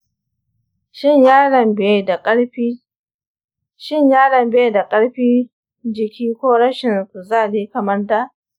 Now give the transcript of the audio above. shin yaron bai da ƙarfi jiki ko rashin kuzari kamar da?